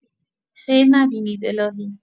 خیر نبینید الهی